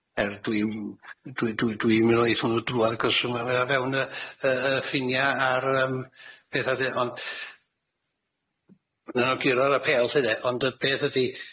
er dwi'm dwi dwi dwi'm yn meddwl eith hwnnw drwadd 'cos mae o o fewn y y y ffinia' ar yy petha lly, ond- na'n nw'n guro'r apêl lly 'de. Ond y peth ydi